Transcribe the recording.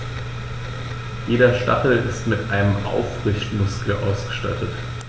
Jeder Stachel ist mit einem Aufrichtemuskel ausgestattet.